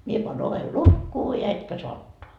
minä panen oven lukkoon ja etkä saa ottaa